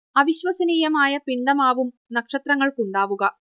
അവിശ്വസനീയമായ പിണ്ഡമാവും നക്ഷത്രങ്ങൾക്കുണ്ടാവുക